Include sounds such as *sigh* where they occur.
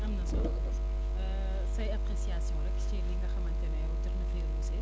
am na solo *noise* *hesitation* say appréciation rek ci li nga xamante ne jot na fee ruusee